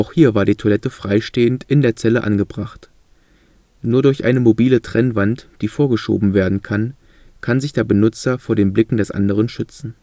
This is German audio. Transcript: hier war die Toilette freistehend in der Zelle angebracht. Nur durch eine mobile Trennwand, die vorgeschoben werden kann, kann sich der Benutzer vor den Blicken des anderen schützen